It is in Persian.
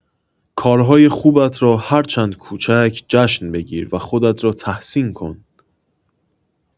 کارهای خوبت را هرچند کوچک جشن بگیر و خودت را تحسین کن.